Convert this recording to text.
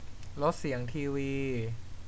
ลดเสียงทีวี